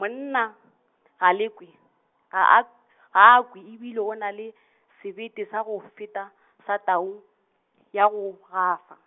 Mna Galekwe, ga a, ga a kwe e bile o na le , sebete sa go feta , sa tau, ya go gafa.